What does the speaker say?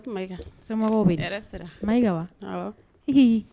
Ma wa